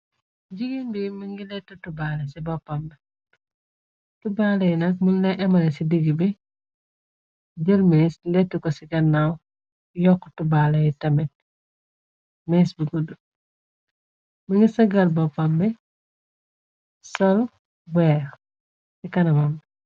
Jigéen bi mi ngi lett tubbaale ci boppamb tubaale yi nak mun nay amale ci digg bi jërmis letti ko ci gannaaw yokk tubbaalé yi tamit mees bi gudd mi ngi sagaal boppambi sol weer ci canamam.